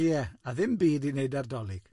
Ie, a ddim byd i wneud ar Dolig.